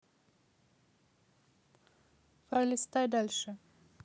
пролистай дальше